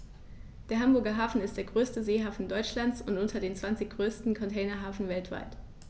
Der Hamburger Hafen ist der größte Seehafen Deutschlands und unter den zwanzig größten Containerhäfen weltweit.